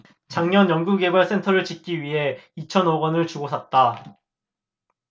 작년 연구개발센터를 짓기 위해 이천 억원을 주고 샀다